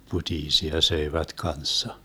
putiisia söivät kanssa